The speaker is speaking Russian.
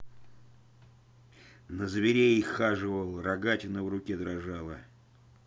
на зверей хаживал рогатина в руке дрожала